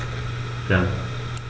Gern.